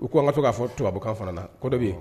U ko n ka to k'a fɔ tubabukan fana na ko dɔ bɛ yen